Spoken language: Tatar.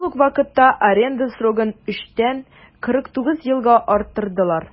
Шул ук вакытта аренда срогын 3 тән 49 елга арттырдылар.